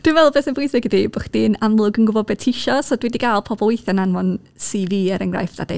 Dwi'n meddwl be sy'n bwysig ydy bo' chdi'n amlwg yn gwbod be ti isio. So dwi 'di gael pobl weithiau'n anfon CV er enghraifft a dweud...